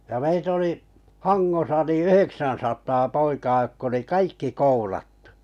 ja meitä oli Hangossa niin yhdeksänsataa poikaa jotka oli kaikki koulattu